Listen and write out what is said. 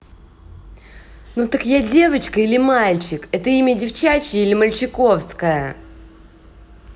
ну так я девочка или мальчик это имя девчачье или мальчиковская